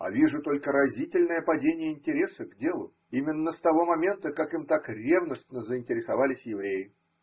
А вижу только разительное падение интереса к делу именно с того момента, как им так ревностно заинтересовались евреи.